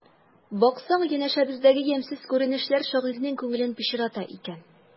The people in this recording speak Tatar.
Баксаң, янәшәбездәге ямьсез күренешләр шагыйрьнең күңелен пычрата икән.